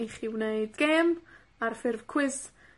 i chi wneud gêm ar ffurf cwis